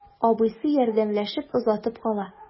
Абыйсы ярдәмләшеп озатып кала.